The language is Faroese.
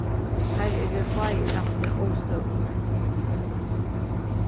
teir eru báðir rættiliga óstøðugir